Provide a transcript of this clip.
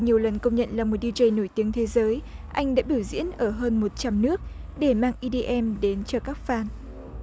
nhiều lần công nhận là một đi giây nổi tiếng thế giới anh đã biểu diễn ở hơn một trăm nước để mang i đi em đến cho các phan